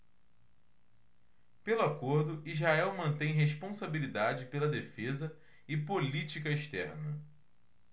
pelo acordo israel mantém responsabilidade pela defesa e política externa